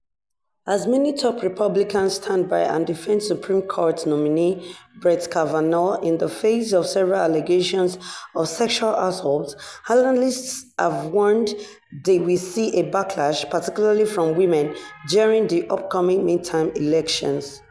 As many top Republicans stand-by and defend Supreme Court nominee Brett Kavanaugh in the face of several allegations of sexual assault, analyst have warned they will see a backlash, particularly from women, during the upcoming midterm elections.